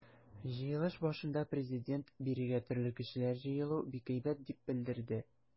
Җыелыш башында Президент: “Бирегә төрле кешеләр җыелуы бик әйбәт", - дип белдерде.